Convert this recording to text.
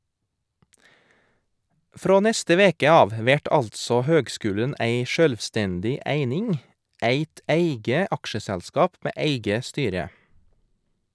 Frå neste veke av vert altså høgskulen ei sjølvstendig eining, eit eige aksjeselskap med eige styre.